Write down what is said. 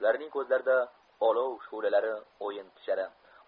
ularning ko'zlarida olov shu'lalari o'yin tushadi